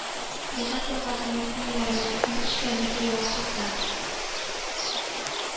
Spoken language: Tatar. Незас елгасының уң ярыннан ун өч километр ераклыкта